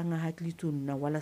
An kan hakili to ni na wa